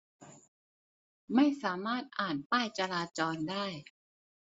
ไม่สามารถอ่านป้ายจราจรได้